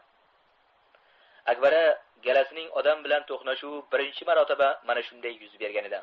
akbara galasining odam bilan to'qnashuvi birinchi marotaba mana shunday yuz bergan edi